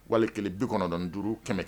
Wali kelen bitɔn kɔnɔdon duuru kɛmɛ